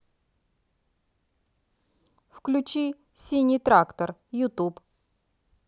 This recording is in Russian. включи синий трактор ютуб